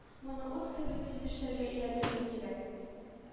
Моны ут кебек тиз эшләргә өйрәнергә кирәк